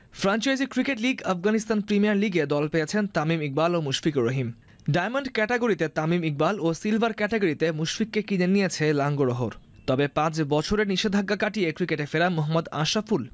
franchise cricket league Afghanistan premier লিগে দল পেয়েছেন তামিম ইকবাল ও মুশফিকুর রহিম ডায়মন্ড ক্যাটেগরিতে তামিম ইকবাল ও সিলভার ক্যাটেগরিতে মুশফিককে কিনে নিয়েছে লাঙ্গ রহর তবে পাঁচ বছরের নিষেধাজ্ঞা কাটিয়ে ক্রিকেটে ফেরা মোহাম্মদ আশরাফুল